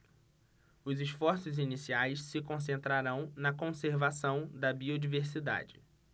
os esforços iniciais se concentrarão na conservação da biodiversidade